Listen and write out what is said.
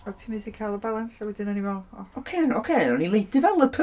O't ti methu cael y balans a wedyn o'n ni'n meddwl... Ocei, ocei, o'n i'n late developer!